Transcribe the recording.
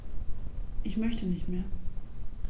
Ich möchte nicht mehr.